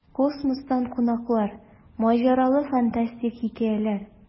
Космостан кунаклар: маҗаралы, фантастик хикәяләр.